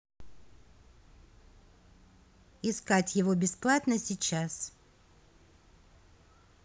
искать его бесплатно сейчас